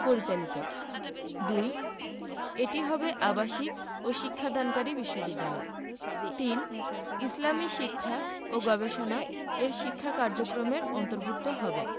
পরিচালিত ২. এটি হবে আবাসিক ও শিক্ষাদানকারী বিশ্ববিদ্যালয় ৩. ইসলামী শিক্ষা ও গবেষণা এর শিক্ষা কার্যক্রমের অন্তর্ভুক্ত হবে